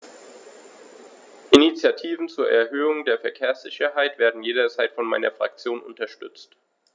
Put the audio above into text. Initiativen zur Erhöhung der Verkehrssicherheit werden jederzeit von meiner Fraktion unterstützt.